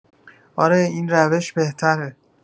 آره این روش بهتره